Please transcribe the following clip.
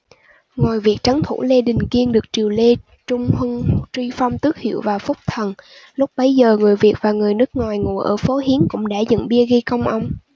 ngoài việc trấn thủ lê đình kiên được triều lê trung hưng truy phong tước hiệu và phúc thần lúc bấy giờ người việt và người nước ngoài ngụ ở phố hiến cũng đã dựng bia ghi công ông